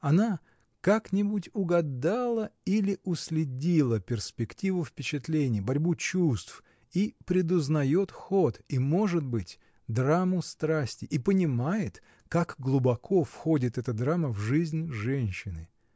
Она как-нибудь угадала или уследила перспективу впечатлений, борьбу чувств, и предузнаёт ход и, может быть, драму страсти, и понимает, как глубоко входит эта драма в жизнь женщины.